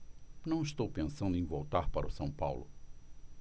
não estou pensando em voltar para o são paulo